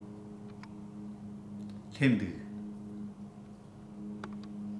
སླེབས འདུག